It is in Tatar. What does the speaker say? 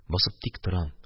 Басып тик торам